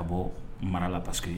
Ka bɔ mara la passeke ye